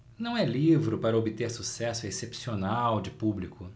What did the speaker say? não é livro para obter sucesso excepcional de público